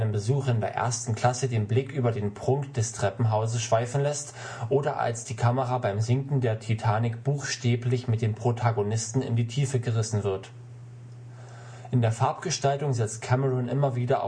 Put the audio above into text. der 1. Klasse den Blick über den Prunk des Treppenhauses schweifen lässt oder als die Kamera beim Sinken der Titanic buchstäblich mit den Protagonisten in die Tiefe gerissen wird. In der Farbgestaltung setzt Cameron immer wieder